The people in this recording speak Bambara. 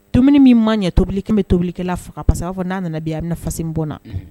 Dumuni min man ɲɛ tobilikɛ bɛ tobilikɛlɛ faga parce que a b'a fɔ'a nana bi a bɛ bɛna faasi min bɔ n na